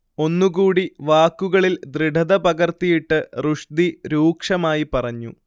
ഒന്നുകൂടി വാക്കുകളിൽ ദൃഢത പകർത്തിയിട്ട് റുഷ്ദി രൂക്ഷമായി പറഞ്ഞു